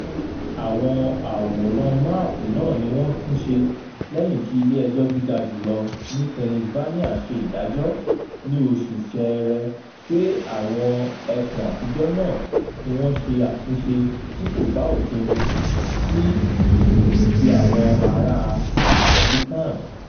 Àwọn àwòrán máàpù náà ni wọ́n tún ṣe lẹ́yìn tí Ilé Ẹjọ́ Gíga Jù Lọ ní Pennsylvania ṣe ìdájọ́ ní oṣù January pé àwọn ẹkùn àtijọ́ náà ni wọ́n ṣe àtúnṣe tí kò bá òfin mu sí ti àwọn ará Republican.